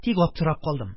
Тик аптырап калдым.